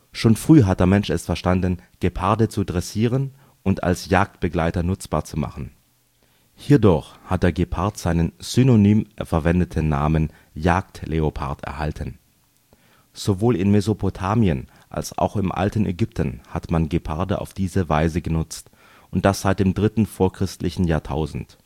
Schon früh hat der Mensch es verstanden, Geparde zu dressieren und als Jagdbegleiter nutzbar zu machen. Hierdurch hat der Gepard seinen synonym verwendeten Namen " Jagdleopard " erhalten. Sowohl in Mesopotamien als auch im alten Ägypten hat man Geparde auf diese Weise genutzt, und das seit dem dritten vorchristlichen Jahrtausend